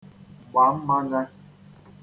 gbà mmanya